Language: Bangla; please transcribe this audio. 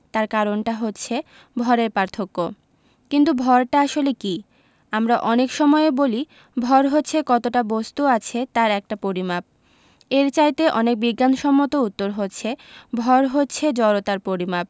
তার কারণটা হচ্ছে ভরের পার্থক্য কিন্তু ভরটা আসলে কী আমরা অনেক সময়েই বলি ভর হচ্ছে কতটা বস্তু আছে তার একটা পরিমাপ এর চাইতে অনেক বিজ্ঞানসম্মত উত্তর হচ্ছে ভর হচ্ছে জড়তার পরিমাপ